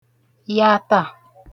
yàtà